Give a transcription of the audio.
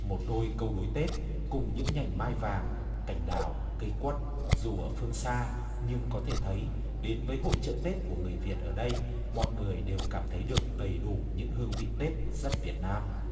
một đôi câu đối tết cùng những nhành mai vàng cành đào cây quất dù ở phương xa nhưng có thể thấy đến với hội chợ tết của người việt ở đây mọi người đều cảm thấy được đầy đủ những hương vị tết rất việt nam